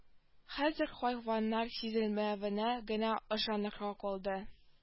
Хәзер хайваннар сиземләвенә генә ышанырга калды